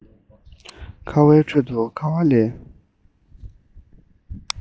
ཁ བའི ཁྲོད དུ ཁ བ ལས